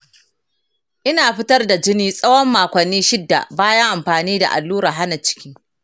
ina fitar da jini tsawon makonni shida bayan amfani da allurar hana ciki.